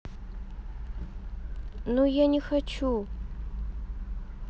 ну я не хочу